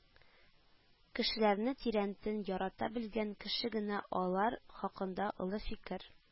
Кешеләрне тирәнтен ярата белгән кеше генә алар хакында олы фикер